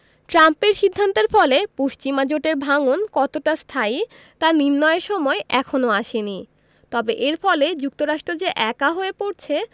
ট্রাম্পের সিদ্ধান্তের ফলে পশ্চিমা জোটের ভাঙন কতটা স্থায়ী তা নির্ণয়ের সময় এখনো আসেনি তবে এর ফলে যুক্তরাষ্ট্র যে একা হয়ে পড়ছে